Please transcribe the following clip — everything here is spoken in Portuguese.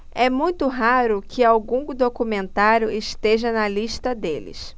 é muito raro que algum documentário esteja na lista deles